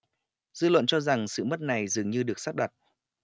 dư luận cho rằng sự mất này dường như được sắp đặt